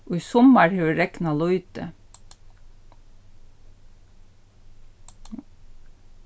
í summar hevur regnað lítið